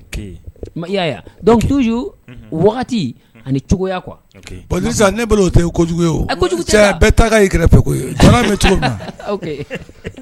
Tu bɔn ne tɛ kojugu kɛrɛfɛ